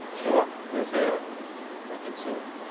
Do you know what? I'm going to say her. Ekin-Su.